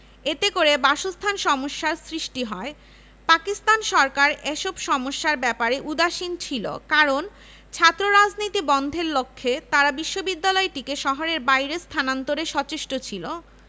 এতে করে বাসস্থান সমস্যার সৃষ্টি হয় পাকিস্তান সরকার এসব সমস্যার ব্যাপারে উদাসীন ছিল কারণ ছাত্ররাজনীতি বন্ধের লক্ষ্যে তারা বিশ্ববিদ্যালয়টিকে শহরের বাইরে স্থানান্তরে সচেষ্ট ছিল